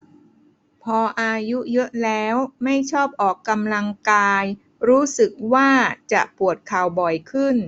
พออายุเยอะแล้วไม่ชอบออกกำลังกายรู้สึกว่าจะปวดเข่าบ่อยขึ้น